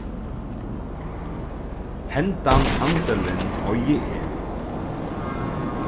hendan handilin eigi eg